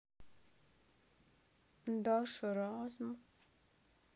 даша разм